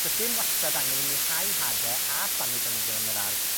do's dim wastad angen i ni hau hade a plannu planigion yn yr ardd,